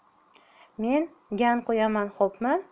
men gan qo'yaman xo'pmi